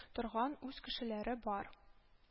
Торган үз кешеләре бар